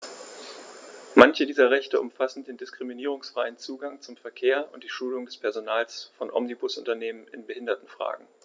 Manche dieser Rechte umfassen den diskriminierungsfreien Zugang zum Verkehr und die Schulung des Personals von Omnibusunternehmen in Behindertenfragen.